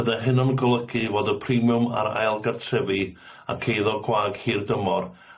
Bydde hynna'n golygu fod y primiwm ar ail gartrefi ac eiddo gwag hir dymor